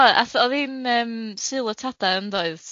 O ath o'dd i'n yym Sul y Tadau yndoedd?